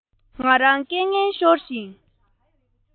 ང རང སྐད ངན ཤོར བཞིན